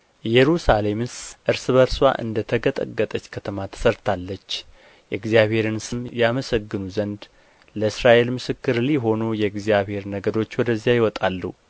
ኢየሩሳሌምስ እርስ በርስዋ እንደ ተገጠገጠች ከተማ ተሠርታለች የእግዚአብሔርን ስም ያመስግኑ ዘንድ ለእስራኤል ምስክር ሊሆኑ የእግዚአብሔር ነገዶች ወደዚያ ይወጣሉ